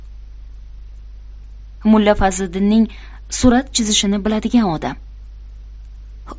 mulla fazliddinning surat chizishini biladigan odam